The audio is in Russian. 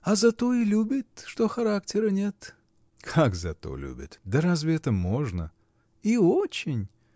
— А за то и любит, что характера нет. — Как за то любит? Да разве это можно? — И очень.